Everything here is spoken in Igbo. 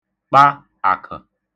kpa àkə̣̀